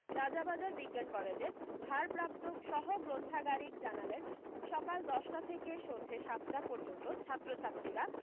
রাজাবাজার বিজ্ঞান কলেজের ভারপ্রাপ্ত সহ গ্রন্থাগারিক জানালেন সকাল দশটা থেকে সন্ধে সাতটা পর্যন্ত ছাত্রছাত্রীরা